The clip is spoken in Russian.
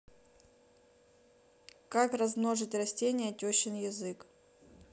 как размножить растение тещин язык